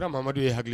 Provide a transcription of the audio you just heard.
Ko mamamadu ye hakili